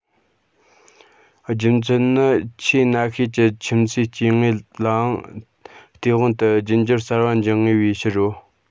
རྒྱུ མཚན ནི ཆེས གནའ ཤོས ཀྱི ཁྱིམ གསོས སྐྱེ དངོས ལའང སྟེས དབང དུ རྒྱུད འགྱུར གསར པ འབྱུང ངེས པའི ཕྱིར རོ